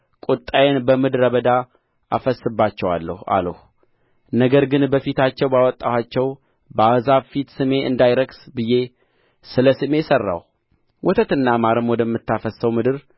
ቍጣዬን በምድረ በዳ አፈስስባቸዋለሁ አልሁ ነገር ግን በፊታቸው ባወጣኋቸው በአሕዛብ ፊት ስሜ እንዳይረክስ ብዬ ስለ ስሜ ሠራሁ ወተትና ማርም ወደምታፈስሰው የምድር